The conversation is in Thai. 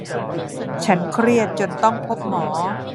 ฉันเครียดจนต้องพบหมอ